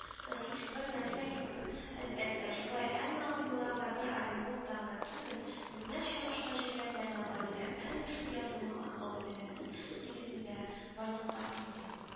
Наив бер нәрсә кебек. әлбәттә, шулай. әмма ул елларда бер оренбургта гына түгел, меңнәрчә башка җирләрдә дә гаиләләр әнә шул язылмаган кагыйдәләрнең нигезендә барлыкка килде